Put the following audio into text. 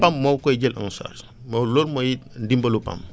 PAM moo koy jël en charge mooy loolu mooy ndimalu PAM